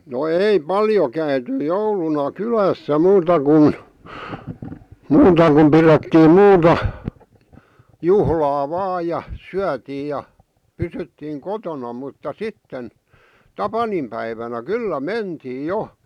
no ei paljon käyty jouluna kylässä muuta kuin muuta kuin pidettiin muuta juhlaa vain ja syötiin ja pysyttiin kotona mutta sitten tapaninpäivänä kyllä mentiin jo